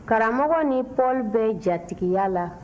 karamɔgɔ ni paul bɛ jatigiya la